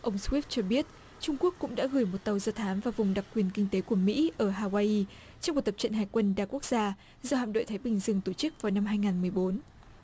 ông sờ wít cho biết trung quốc cũng đã gửi một tàu do thám và vùng đặc quyền kinh tế của mỹ ở ha wai i trong cuộc tập trận hải quân đa quốc gia do hạm đội thái bình dương tổ chức vào năm hai ngàn mười bốn